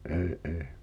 en en